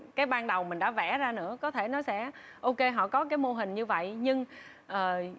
cái ban đầu mình đã vẽ ra nữa có thể nó sẽ ô kê họ có cái mô hình như vậy nhưng ờ